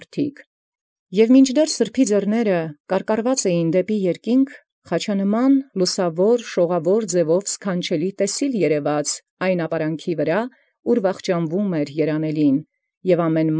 Եւ մինչդեռ ձեռք սրբոյն ընդ երկինս կարկառեալ էին, տեսիլ սքանչելի խաչանման լուսաւոր շողաւոր ձև երևէր ի վերայ ապարանիցն, յորում երանելին վախճանէր, զոր ամենայն։